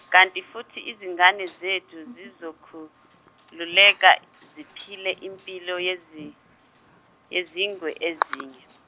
kanti futhi izingane zethu zizokhululeka ziphile impilo yezi- yezingwe ezinye.